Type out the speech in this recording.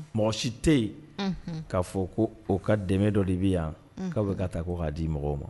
Mɔgɔ si tɛ yen k'a fɔ ko o ka dɛmɛ dɔ de bɛ yan' bɛ ka taa k ko k'a di mɔgɔw ma